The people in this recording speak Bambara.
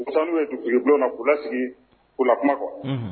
U be taa n'u ye dugutigibulon na k'u lasigii k'u lakuma quoi unhun